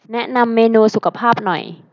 แนะนำเมนูสุขภาพหน่อย